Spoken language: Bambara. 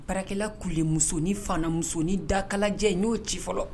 Baarakɛla kule musonin fana musonin dakalajɛ in n y'o ci fɔlɔ